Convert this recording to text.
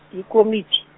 yikomiti.